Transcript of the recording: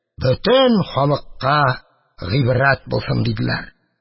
Бөтен халыкка гыйбрәт булсын! – диделәр.